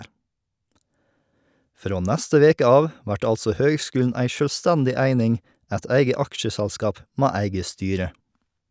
Frå neste veke av vert altså høgskulen ei sjølvstendig eining , eit eige aksjeselskap med eige styre.